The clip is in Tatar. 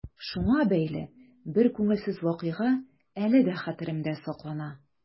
Шуңа бәйле бер күңелсез вакыйга әле дә хәтеремдә саклана.